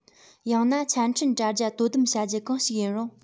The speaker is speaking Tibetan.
ཡང ན ཆ འཕྲིན དྲ རྒྱ དོ དམ བྱ རྒྱུ གང ཞིག ཡིན རུང